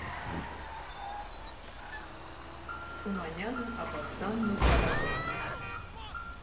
Թումանյանը, Աբաստանն ու փառատոնը։